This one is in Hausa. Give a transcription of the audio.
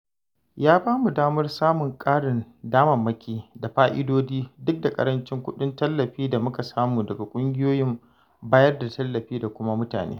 Ya ba mu damar samun ƙarin damammaki da fa'idodi, duk da ƙarancin kuɗin tallafi da muka samu daga ƙungiyoyin bayar da tallafi da kuma mutane.